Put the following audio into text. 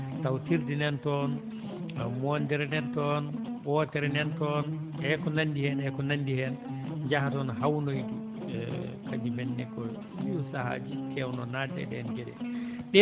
taw tirde nan toon taw moonndere nan toon ɓootere nan toon e ko nanndi heen e ko nanndi heen njaha toon hawnoyde e kadi men ne ko ɗii ɗoo sahaaji keewno naatde e ɗeen geɗe